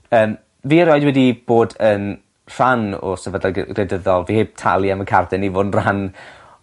Yym fi erioed wedi bod yn rhan o sefydliad ge- gwleidyddol fi 'eb talu am y carden i fo' yn rhan